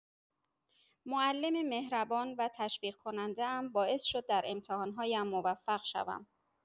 معلم مهربان و تشویق‌کننده‌ام باعث شد در امتحان‌هایم موفق شوم.